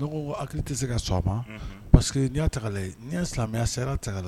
N hakili tɛ se ka s a ma parceseke n taga n ye silamɛya sera taga